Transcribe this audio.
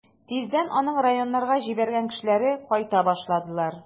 Тиздән аның районнарга җибәргән кешеләре кайта башладылар.